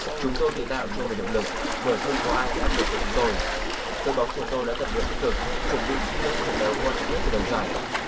chúng tôi tự tạo cho mình động lực bởi không có ai gây áp lực của chúng tôi đội bóng của tôi đã tập luyện tích cực chuẩn bị kỹ lưỡng cho trận đấu quan trọng nhất từ đầu giải